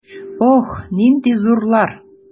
Ох, нинди зурлар!